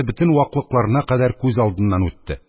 Бөтен вакларына кадәр күз алдыннан үтте.